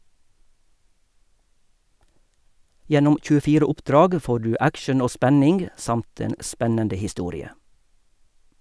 Gjennom 24 oppdrag får du action og spenning samt en spennende historie.